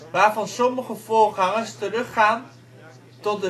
waarvan sommige voorgangers teruggaan tot